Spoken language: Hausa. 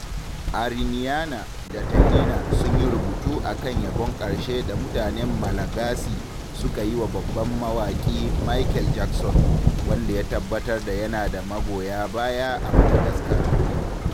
Ariniana da Tahina sun yi rubutu a kan yabon ƙarshe da mutanen Malagasy suka yi wa babban mawaƙi Michael Jackson, wanda ya tabbatar da yana da magoya baya a Madagascar.